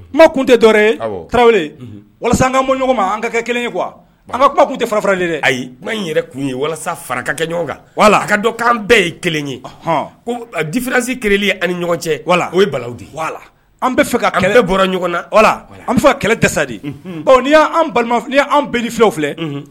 Kuma kun tɛ dɔwɛrɛ ye tarawele walasa an ka bɔ ɲɔgɔnma an ka kɛ kelen ye kuwa an ka kuma tun tɛ fara faralen dɛ ayi n' yɛrɛ kun ye walasa fara kɛ ɲɔgɔn kan wala a ka dɔn an bɛɛ ye kelen ye hɔn difiransi keli an ni ɲɔgɔn cɛ wala o ye bala an bɛ fɛ ka kɛlɛ bɔra ɲɔgɔn na wala la an bɛ fɔ kɛlɛ tɛsa de ni y'an balima' y'an bɛ ni fiw filɛ